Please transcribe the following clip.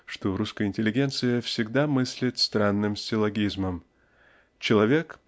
что русская интеллигенция всегда мыслит странным силлогизмом человек.